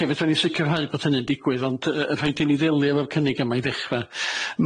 Ocê fedran ni sicirhau bod hynny'n digwydd ond yy rhaid i ni ddelio efo'r cynnig yma i ddechra.